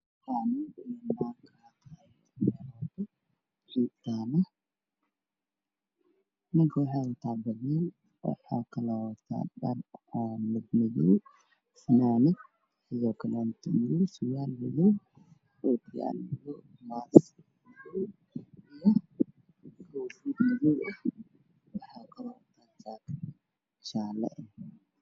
Waa ninka ogyahay loo midow ah wuxuu sameynayaa meel qajeel ah manchester meydkiisu waa midow waxaa ka dambeeya guri cadaan ah